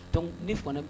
Dɔnku ne f ne